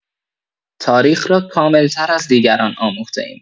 تاریخ را کامل‌تر از دیگران آموخته‌ایم.